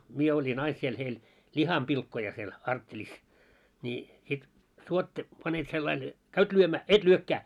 minä olin aina siellä heillä lihanpilkkoja siellä arttelissa niin sitten suotta panet sillä lailla ja käyt lyömään et lyökään